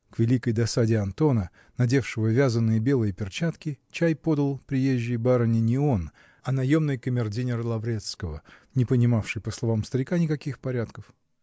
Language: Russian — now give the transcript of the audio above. К великой досаде Антона, надевшего вязаные белые перчатки, чай подал приезжей барыне не он, а наемный камердинер Лаврецкого, не понимавший, по словам старика, никаких порядков.